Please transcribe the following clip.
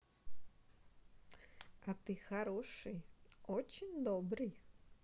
а ты хороший очень добрый